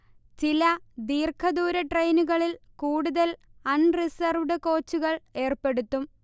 ചില ദീർഘദൂര ട്രെയിനുകളിൽ കൂടുതൽ അൺ റിസർവ്ഡ് കോച്ചുകൾ ഏർപ്പെടുത്തും